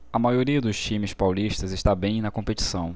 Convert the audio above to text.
a maioria dos times paulistas está bem na competição